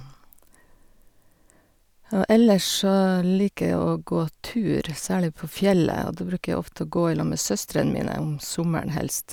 Og ellers så liker jeg å gå tur, særlig på fjellet, og da bruker jeg ofte å gå i lag med søstrene mine, om sommeren, helst.